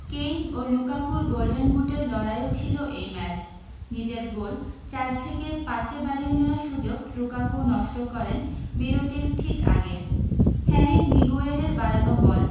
Kane ও লুকাকুর golden বুটের লড়াইও ছিল এই ম্যাচ নিজের গোল চার থেকে পাঁচে বাড়িয়ে নেওয়ার সুযোগ লুকাকু নষ্ট করেন বিরতির ঠিক আগে হ্যারি মিগুয়েরের বাড়ানো বল